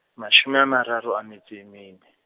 mashome a mararo a metso e mene.